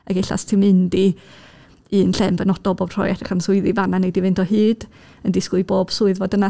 Ac ella os ti'n mynd i, un lle yn benodol bob tro i edrych am swyddi, fan'na wnei di fynd o hyd, yn disgwyl i bob swydd fod yna.